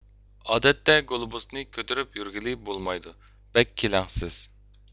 ئادەتتە گۇلوبۇسنى كۆتۈرۈپ يۈرگىلى بولمايدۇ بەك كېلەڭسىز